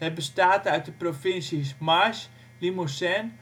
bestaat uit de provincies Marche, Limousin